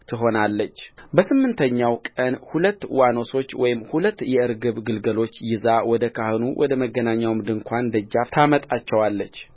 ትሆናለችበስምንተኛውም ቀን ሁለት ዋኖሶች ወይም ሁለት የርግብ ግልገሎች ይዛ ወደ ካህኑ ወደ መገናኛው ድንኳን ደጃፍ ታመጣቸዋለች